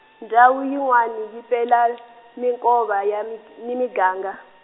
ndhawu yinwani yi pela, minkova ya mi, ni maganga.